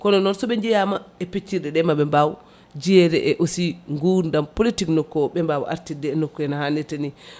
kono noon soɓe jeeyama e peccirɗe ɗe moɓe mbaw jeeyade e aussi gurdam politique nokku o ɓe mbawa artirde e nokku he no hannirta ni